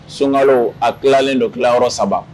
Sunkalo a tilalen don tilayɔrɔ 3